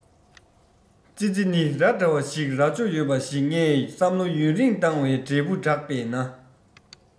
ཙི ཙི ནི ར འདྲ བ ཞིག རྭ ཅོ ཡོད པ ཞིག ངས བསམ བློ ཡུན རིང བཏང བའི འབྲས བུ བསྒྲགས པས ན